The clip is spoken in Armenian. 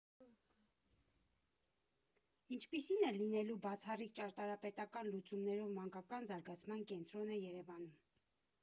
Ինչպիսին է լինելու բացառիկ ճարտարապետական լուծումներով մանկական զարգացման կենտրոնը Երևանում։